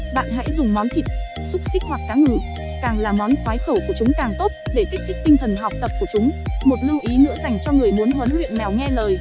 bạn hãy dùng món thịt xúc xích hoặc cá ngừ càng là món khoái khẩu của chúng càng tốt để kích thích tinh thần học tập của chúng một lưu ý nữa dành cho người muốn huấn luyện mèo nghe lời